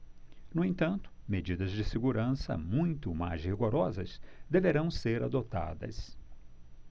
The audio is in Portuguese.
no entanto medidas de segurança muito mais rigorosas deverão ser adotadas